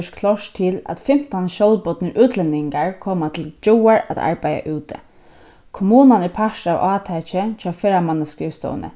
gjørt klárt til at fimtan sjálvbodnir útlendingar koma til gjáar at arbeiða úti kommunan er partur av átaki hjá ferðamannaskrivstovuni